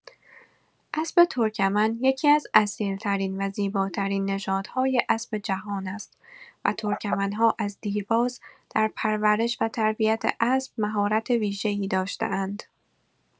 اسب ترکمن یکی‌از اصیل‌ترین و زیباترین نژادهای اسب جهان است و ترکمن‌ها از دیرباز در پرورش و تربیت اسب مهارت ویژه‌ای داشته‌اند.